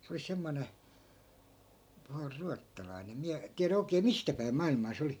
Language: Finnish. se oli semmoinen pahus ruotsalainen en minä tiedä oikein mistä päin maailmaa se oli